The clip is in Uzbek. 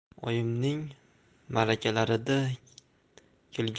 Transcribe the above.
oyimning marakalarida kelganida